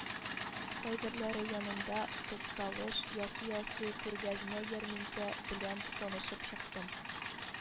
Кайберләре янында тукталыш ясый-ясый күргәзмә-ярминкә белән танышып чыктым